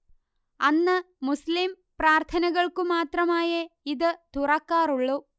അന്ന് മുസ്ലിം പ്രാർത്ഥനകൾക്കു മാത്രമായേ ഇത് തുറക്കാറുള്ളൂ